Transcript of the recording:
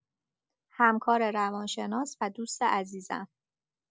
همکار روان‌شناس و دوست عزیزم